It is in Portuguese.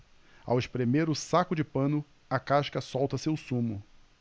ao espremer o saco de pano a casca solta seu sumo